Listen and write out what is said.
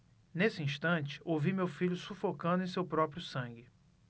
nesse instante ouvi meu filho sufocando em seu próprio sangue